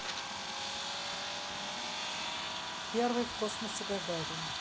первый в космосе гагарин